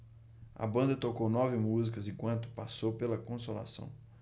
a banda tocou nove músicas enquanto passou pela consolação